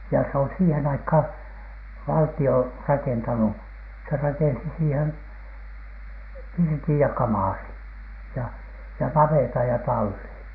ja se on siihen aikaan valtio rakentanut se rakensi siihen pirtin ja kamarin ja ja navetan ja tallin